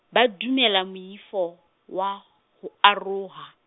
ba dumela moifo wa ho oroha.